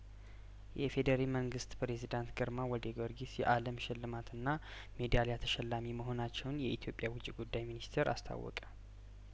የኢፌዴሪ መንግስት ፕሬዝዳንት ግርማ ወደ ጊዮርጊስ የአለም ሽልማትና ሜዳሊያተሽላሚ መሆናቸውን የኢትዮጵያ የውጪ ጉዳይሚኒስቴር አስታወቀ